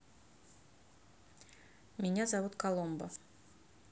меня зовут коломбо